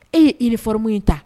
E ye i ni foromu in ta